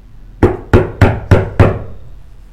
San yo